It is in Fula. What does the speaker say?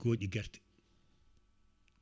gooƴi guerte